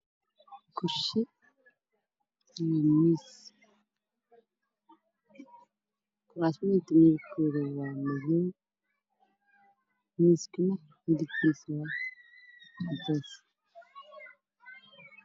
Kuraas iyo miis kuraasta midabkooda waa madoow waxayna yaalaan qol qolka midabkiisa waa cadaan